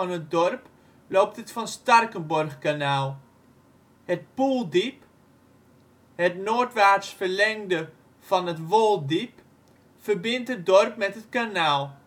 het dorp loopt het Van Starkenborghkanaal. Het Poeldiep (het noordwaarts verlengde van het Wolddiep) verbindt het dorp met het kanaal